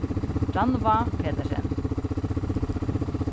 rannvá petersen